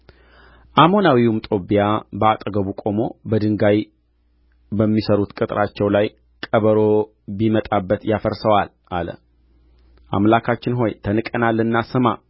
አሞናዊውም ጦብያ በአጠገቡ ቆሞ በድንጋይ በሚሠሩት ቅጥራቸው ላይ ቀበሮ ቢመጣበት ያፈርሰዋል አለ አምላካችን ሆይ ተንቀናልና ስማ